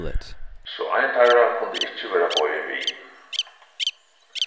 so ein teirra kundi ikki verða boðin við